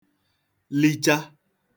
licha